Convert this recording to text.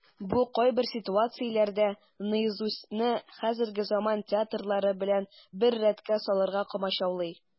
Бу кайбер ситуацияләрдә "Наизусть"ны хәзерге заман театрылары белән бер рәткә салырга комачаулый.